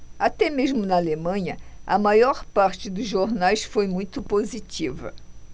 até mesmo na alemanha a maior parte dos jornais foi muito positiva